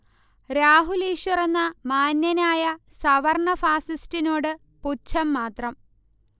രാഹുൽ ഈശ്വർ എന്ന മാന്യനായ സവർണ്ണ ഫാസിസ്റ്റ്നോട് പുച്ഛം മാത്രം